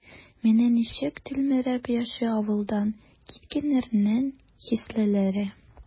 Менә ничек тилмереп яши авылдан киткәннәрнең хислеләре?